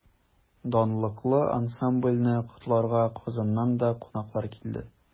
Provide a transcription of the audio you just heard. Данлыклы ансамбльне котларга Казаннан да кунаклар килде.